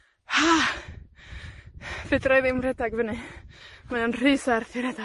Ha! Fedrai ddim rhedag fyny. Mae o'n rhy serth i redag.